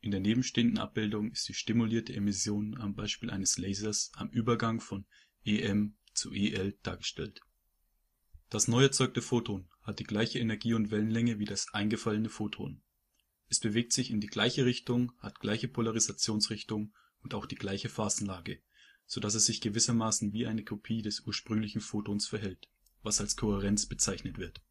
der nebenstehenden Abbildung ist die stimulierte Emission am Beispiel eines Lasers am Übergang von E M {\ displaystyle E_ {M}} zu E L {\ displaystyle E_ {L}} dargestellt. Das neu erzeugte Photon hat die gleiche Energie und Wellenlänge wie das eingefallene Photon. Es bewegt sich in die gleiche Richtung, hat gleiche Polarisationsrichtung und auch die gleiche Phasenlage, so dass es sich gewissermaßen wie eine Kopie des ursprünglichen Photons verhält, was als Kohärenz bezeichnet